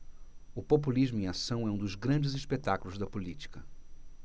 o populismo em ação é um dos grandes espetáculos da política